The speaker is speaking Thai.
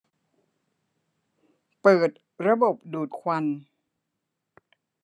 เปิดระบบดูดควัน